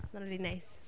Ma’n rili neis.